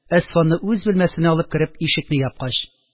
Әсфанны үз бүлмәсенә алып кереп, ишекне япкач